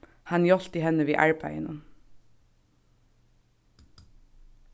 hann hjálpti henni við arbeiðinum